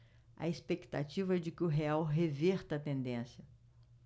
a expectativa é de que o real reverta a tendência